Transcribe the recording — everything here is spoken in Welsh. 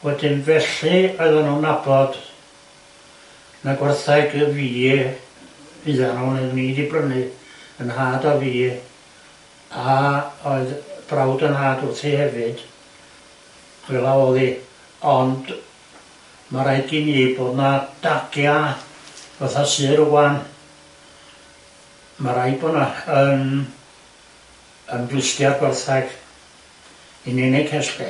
Wedyn felly oedden n'w'n nabod na gwertheg y fi fudda n'w oeddwn i 'di brynu yn nhad a fi a oedd brawd yn nhad wrrhi hefyd fel'a oddi ond ma' raid gyn i bod 'na dagia fatha sy' rŵan ma' raid bod 'na yn glustia'r gwertheg i ni neud